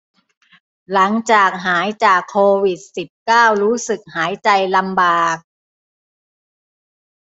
หลังจากหายจากโควิดสิบเก้ารู้สึกหายใจลำบาก